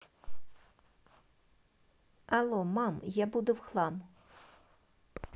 алло мам я буду в хлам